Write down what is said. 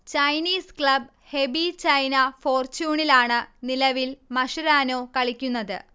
Chinese club Hebei China ഫോർച്യൂണിലാണ് നിലവിൽ Mascherano കളിക്കുന്നത്